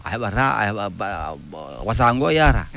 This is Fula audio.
a heɓataa a heɓa wasaango ngoo yaraa